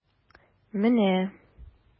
Менә...